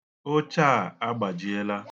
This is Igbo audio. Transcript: Oche a agbajiela.